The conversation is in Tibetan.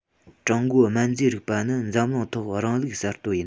ཀྲུང གོའི སྨན རྫས རིག པ ནི འཛམ གླིང ཐོག རང ལུགས གསར གཏོད ཡིན